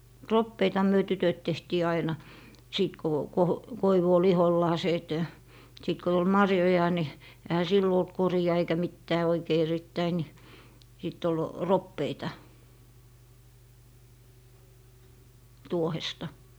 roppeitahan me tytöt tehtiin aina sitten kun - koivu oli ihollaan että sitten kun tuli marjoja niin eihän silloin ollut koria eikä mitään oikein erittäin niin sitten oli roppeita tuohesta